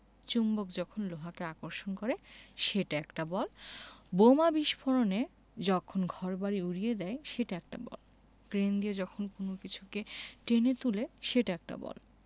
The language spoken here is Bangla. চুম্বক যখন লোহাকে আকর্ষণ করে সেটা একটা বল বোমা বিস্ফোরণে যখন ঘরবাড়ি উড়িয়ে দেয় সেটা একটা বল ক্রেন যখন কোনো কিছুকে টেনে তুলে সেটা একটা বল